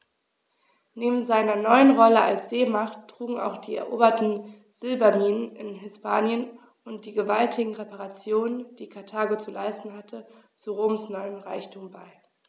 Neben seiner neuen Rolle als Seemacht trugen auch die eroberten Silberminen in Hispanien und die gewaltigen Reparationen, die Karthago zu leisten hatte, zu Roms neuem Reichtum bei.